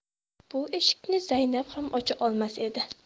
bu eshikni zaynab ham ocha olmas edi